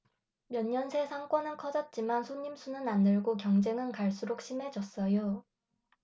몇 년 새 상권은 커졌지만 손님 수는 안 늘고 경쟁은 갈수록 심해졌어요